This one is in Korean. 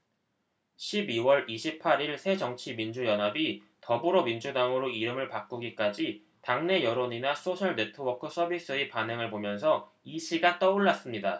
십 이 월 이십 팔 일 새정치민주연합이 더불어민주당으로 이름을 바꾸기까지 당내 여론이나 소셜네트워크서비스의 반응을 보면서 이 시가 떠올랐습니다